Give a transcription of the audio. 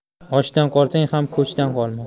oshdan qolsang ham ko'chdan qolma